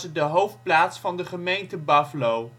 de hoofdplaats van de gemeente Baflo